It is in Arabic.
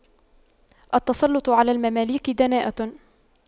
التسلُّطُ على المماليك دناءة